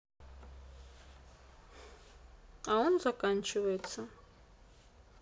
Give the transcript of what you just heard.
а он заканчивается